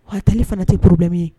Hatali fana tɛ burubɛn ye